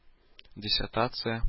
Диссертация